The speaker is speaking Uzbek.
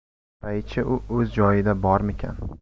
qaraychi u o'z joyida bormikan